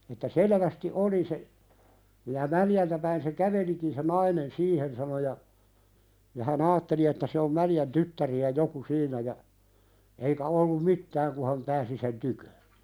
että selvästi oli se niin ja Mäljältä päin se kävelikin se nainen siihen sanoi ja ja hän ajatteli että se on Mäljän tyttäriä joku siinä ja eikä ollut mitään kun hän pääsi sen tykö